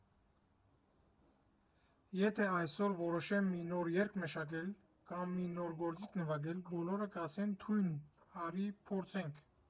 Եթե այսօր որոշեմ մի նոր երգ մշակել, կամ մի նոր գործիք նվագել, բոլորը կասեն՝ թույն, արի փորձենք։